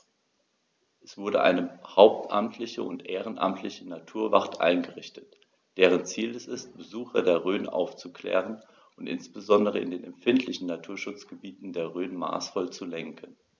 Es wurde eine hauptamtliche und ehrenamtliche Naturwacht eingerichtet, deren Ziel es ist, Besucher der Rhön aufzuklären und insbesondere in den empfindlichen Naturschutzgebieten der Rhön maßvoll zu lenken.